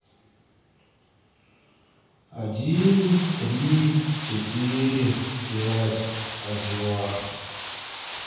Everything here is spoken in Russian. один три четыре пять озер